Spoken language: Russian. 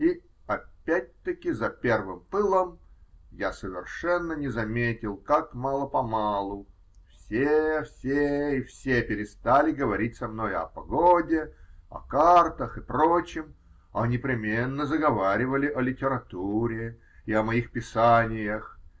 И -- опять-таки за первым пылом -- я совершенно не заметил, как мало-помалу все, все и все перестали говорить со мною о погоде, о картах и прочем, а непременно заговаривали о литературе и о моих писаниях.